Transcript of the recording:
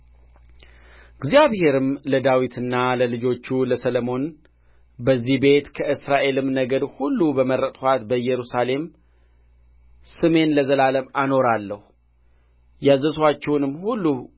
እግዚአብሔርም ለዳዊትና ለልጁ ለሰሎሞን በዚህ ቤት ከእስራኤልም ነገድ ሁሉ በመረጥኋት በኢየሩሳሌም ስሜን ለዘላለም አኖራለሁ ያዘዝኋቸውንም ሁሉ